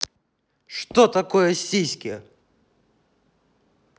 что такое сиськи